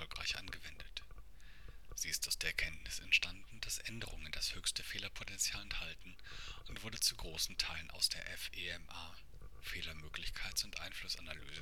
angewendet. Sie ist aus der Erkenntnis entstanden, dass Änderungen das höchste Fehlerpotential enthalten und wurde zu großen Teilen aus der FMEA (Fehlermöglichkeits - und Einflussanalyse